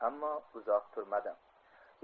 ammo uzoq turmadi